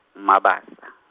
eMabandla.